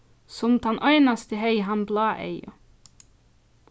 sum tann einasti hevði hann blá eygu